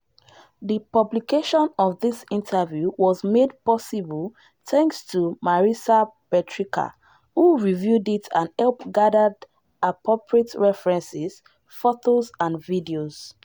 The publication of this interview was made possible thanks to Marisa Petricca, who reviewed it and helps gather appropriate references, photos and videos.